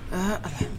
Aa Ala